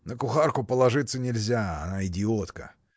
— На кухарку положиться нельзя — она идиотка.